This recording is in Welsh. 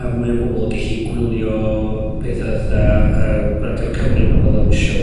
a mwy o bobol yn gellu gwylio petha fatha yy Radio Cymru pan ma' lawnsio.